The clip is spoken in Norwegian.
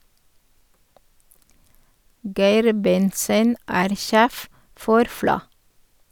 Geir Bentzen er sjef for FLA.